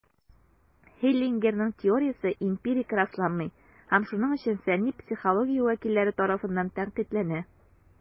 Хеллингерның теориясе эмпирик расланмый, һәм шуның өчен фәнни психология вәкилләре тарафыннан тәнкыйтьләнә.